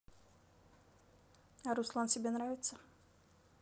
а руслан тебе нравится